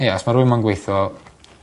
ie os ma' rywun moyn gweitho